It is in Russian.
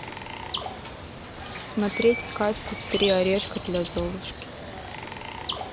смотреть сказку три орешка для золушки